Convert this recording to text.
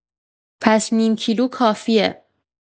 پس نیم کیلو کافیه.